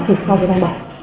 và làm chụp cái răng